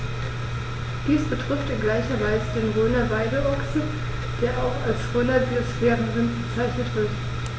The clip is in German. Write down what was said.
Dies betrifft in gleicher Weise den Rhöner Weideochsen, der auch als Rhöner Biosphärenrind bezeichnet wird.